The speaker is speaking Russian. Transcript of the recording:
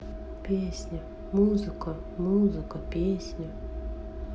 песня музыка музыка песня